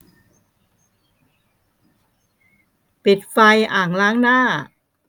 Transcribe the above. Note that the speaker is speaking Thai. ปิดไฟอ่างล้างหน้า